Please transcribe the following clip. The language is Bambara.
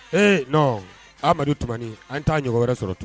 Ee non Amadou Toumani, an t'a ɲɔgɔn wɛrɛ sɔrɔ tun.